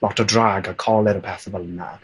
lot o drag a colur a pethe fel 'na.